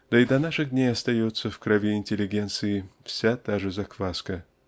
Да и до наших дней остается в крови интеллигенции все та же закваска.